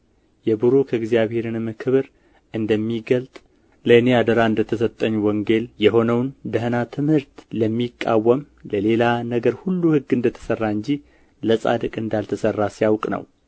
የብሩክ እግዚአብሔርንም ክብር እንደሚገልጥ ለእኔ አደራ እንደ ተሰጠኝ ወንጌል የሆነውን ደኅና ትምህርት ለሚቃወም ለሌላ ነገር ሁሉ ሕግ እንደ ተሰራ እንጂ ለጻድቅ እንዳልተሰራ ሲያውቅ ነው